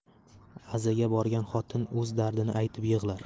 azaga borgan xotin o'z dardini aytib yig'lar